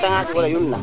i ka i ngoxax